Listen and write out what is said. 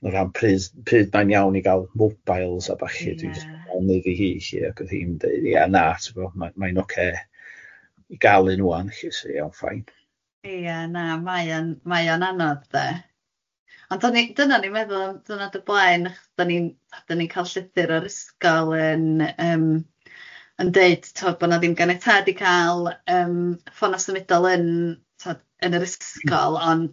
yn rhan pryd pryd mae'n iawn i gael mobails a ballu... Ia. ...dwi jyst yn neud i hi hi ac oedd hi'n deud ia na tibod ma mae'n ocê i gal un ŵan lly so iawn fine... Ia na mae o'n mae o'n anodd de, ond dan ni dyna o'n i'n meddwl dwrnod o blaen dan ni'n dan ni'n cael llythyr o'r ysgol yn yym yn deud tibod bod na ddim ganiatad i gael yym ffonau symudol yn tibod yn yr ysgol ond